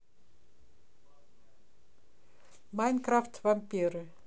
майнкрафт вампиры